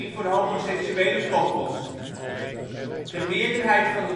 voor homoseksuele koppels. De meerderheid van